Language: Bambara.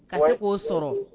A k'o sɔrɔ